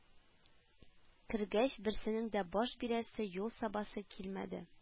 Кергәч, берсенең дә баш бирәсе, юл сабасы килмәде